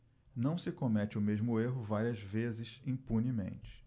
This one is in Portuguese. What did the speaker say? não se comete o mesmo erro várias vezes impunemente